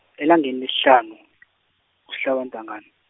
elangeni lesihlanu , kusihlaba intangana.